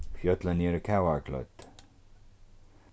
fjøllini eru kavaklødd